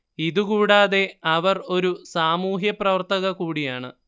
ഇതുകൂടാതെ അവർ ഒരു സാമൂഹ്യപ്രവർത്തക കൂടിയാണ്